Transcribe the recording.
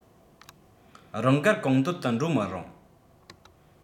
རང དགར གང འདོད དུ འགྲོ མི རུང